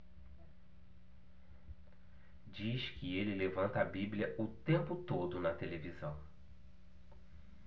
diz que ele levanta a bíblia o tempo todo na televisão